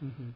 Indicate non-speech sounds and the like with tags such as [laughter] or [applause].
[hesitation] [hesitation]